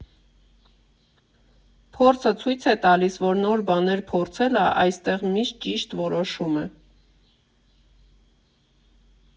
Փորձը ցույց է տալիս, որ նոր բաներ փորձելը այստեղ միշտ ճիշտ որոշում է։